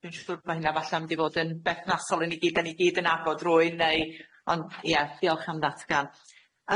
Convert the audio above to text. Dwi'n siŵr ma' hynna falla'n mynd i fod yn berthnasol i ni gyd 'dan ni gyd yn nabod rywun neu ond ia diolch am ddatgan.